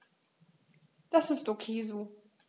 Das ist ok so.